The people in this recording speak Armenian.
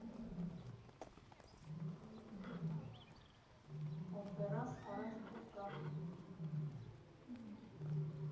Կոնֆերանս՝ առանց փողկապի։